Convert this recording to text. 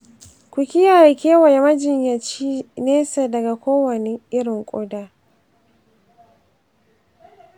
ku kiyaye kewayin majinyacin nesa daga kowane irin ƙuda.